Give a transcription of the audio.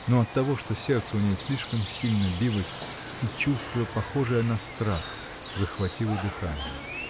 но оттого, что сердце у ней слишком сильно билось и чувство, похожее на страх, захватило дыхание.